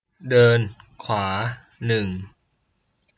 เดินขวาหนึ่ง